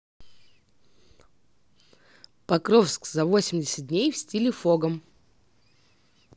покровск за восемьдесят дней в стиле фогом